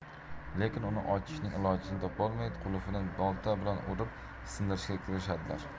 lekin uni ochishning ilojini topolmay qulfini bolta bilan urib sindirishga kirishadilar